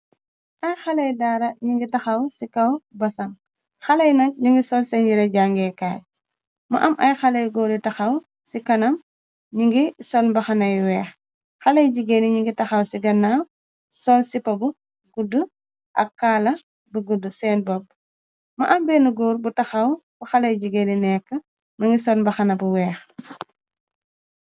Ay xaley daara ñi ngi taxaw ci kaw basaŋ, xalay na ñu ngi sol seen yire jangeekaay. Mu am ay xalay góori taxaw ci kanam ñi ngi solmbaxana yu weex , xaley jigéeri ñi ngi taxaw ci gannaaw sol sipob gudd ak kaala bu gudd seen bopp. Mo am benn góor bu taxaw bu xaley jigéeri nekk mi ngi sol mbaxana bu weex.